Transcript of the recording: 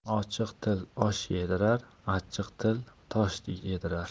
ochiq til osh yedirar achchiq til tosh yedirar